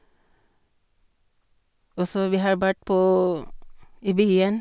Og så vi har vært på i byen.